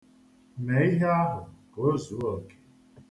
Mee ihe ahụ ka o zuo oke.